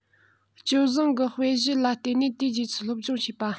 སྤྱོད བཟང གི དཔེ གཞི ལ བལྟས ནས དེའི རྗེས སུ སློབ སྦྱོང བྱེད པ